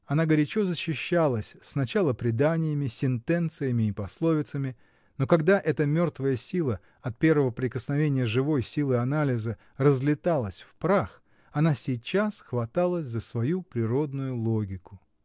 Она горячо защищалась, сначала преданиями, сентенциями и пословицами, но когда эта мертвая сила от первого прикосновения живой силы анализа разлеталась в прах, она сейчас хваталась за свою природную логику.